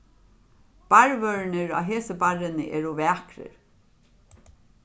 barrvørðirnir á hesi barrini eru vakrir